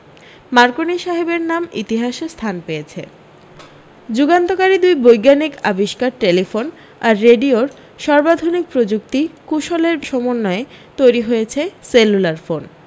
Marconi সাহেবের নাম ইতিহাসে স্থান পেয়েছে যুগান্তকারী দুই বৈজ্ঞানিক আবিষ্কার টেলিফোন আর রেডিওর সর্বাধুনিক প্রযুক্তি কুশলের সমন্বয়ে তৈরী হয়েছে সেলুলার ফোন